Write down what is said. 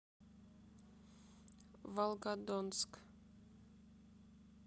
волгодонск